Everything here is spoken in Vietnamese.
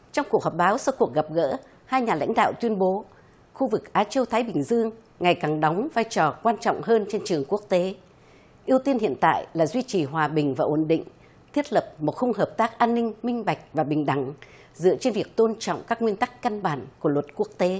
trong cuộc họp báo sau cuộc gặp gỡ hai nhà lãnh đạo tuyên bố khu vực á châu thái bình dương ngày càng đóng vai trò quan trọng hơn trên trường quốc tế ưu tiên hiện tại là duy trì hòa bình và ổn định thiết lập một khung hợp tác an ninh minh bạch và bình đẳng dựa trên việc tôn trọng các nguyên tắc căn bản của luật quốc tế